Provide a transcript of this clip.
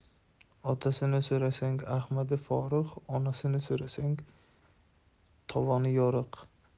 otasini so'rasang ahmadi forig' onasini so'rasang tovoni yoriq